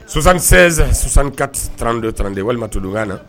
76 64 32 32 walima todunkan na